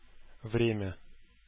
Время